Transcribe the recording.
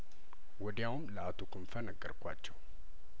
ወዲያውም ለአቶ ክንፈ ነገር ኳቸው